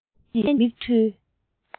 འཆལ ཡན གྱི མིག འཕྲུལ